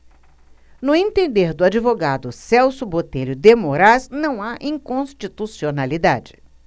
no entender do advogado celso botelho de moraes não há inconstitucionalidade